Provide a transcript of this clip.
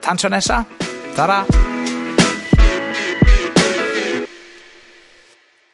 Tan tro nesa, tara.